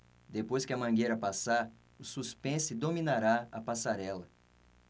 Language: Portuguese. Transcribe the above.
depois que a mangueira passar o suspense dominará a passarela